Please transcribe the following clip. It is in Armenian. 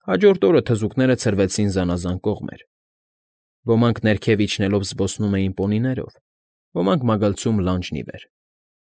Հաջորդ օրը թզուկները ցրվեցին զանազան կողմեր. ոմանք ներքև իջնելով զբոսնում էին պոնիներով, ոմանք մագլցում լանջն ի վեր։